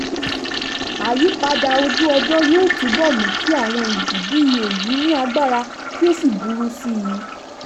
Àyípadà ojú-ọjọ́ yóò túbọ̀ mú kí àwọn ìjì bíi èyí ní agbára kí ó sì burú síi.